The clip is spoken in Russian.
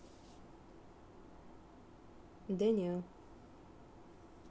daniel